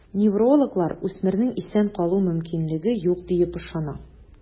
Неврологлар үсмернең исән калу мөмкинлеге юк диеп ышана.